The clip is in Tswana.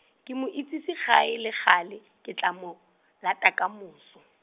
ke mo isitse gae le gale, ke tla mo, lata ka moso.